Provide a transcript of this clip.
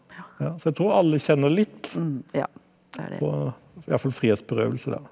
ja så jeg tror alle kjenner litt på i hvert fall frihetsberøvelse da.